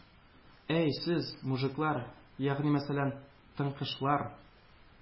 -әй сез, мужиклар, ягъни мәсәлән, тыңкышлар,